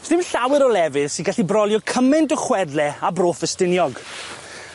Sdim llawer o lefydd sy gallu brolio cyment o chwedle a Bro Ffestiniog.